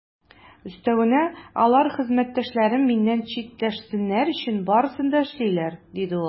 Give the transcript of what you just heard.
Өстәвенә, алар хезмәттәшләрем миннән читләшсеннәр өчен барысын да эшлиләр, - ди ул.